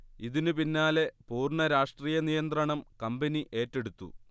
ഇതിന് പിന്നാലെ പൂർണ്ണ രാഷ്ട്രീയ നിയന്ത്രണം കമ്പനി ഏറ്റെടുത്തു